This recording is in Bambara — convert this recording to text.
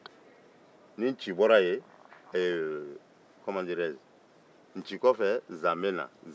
nci kɔfe zan bɛ na